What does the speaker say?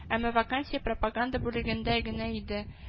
Әмма вакансия пропаганда бүлегендә генә иде